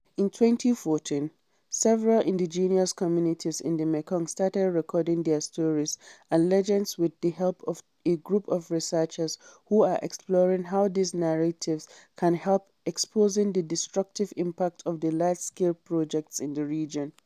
In 2014, several indigenous communities in the Mekong started recording their stories and legends with the help of a group of researchers who are exploring how these narratives can help exposing the destructive impact of large-scale projects in the region.